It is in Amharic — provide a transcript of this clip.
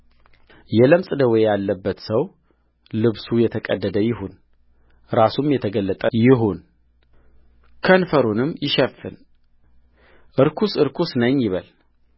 የለምጽ ደዌ ያለበት ሰው ልብሱ የተቀደደ ይሁን ራሱም የተገለጠ ይሁን ከንፈሩንም ይሸፍን ርኩስ ርኩስ ነኝ ይበል